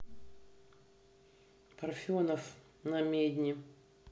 парфенов намедни